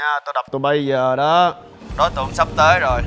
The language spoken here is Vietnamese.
tụi bay trật tự nha tao đập tụi bay giờ đó đối